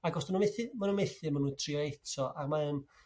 ag os 'dyn nhw methu ma' nhw methu a ma' nhw trio eto, a mae yn